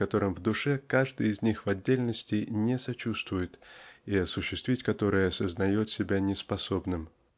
которым в душе каждый из них в отдельности не сочувствует и осуществить которые сознает себя неспособным.